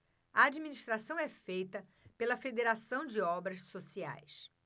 a administração é feita pela fos federação de obras sociais